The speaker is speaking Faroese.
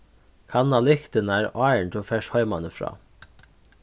kanna lyktirnar áðrenn tú fert heimanífrá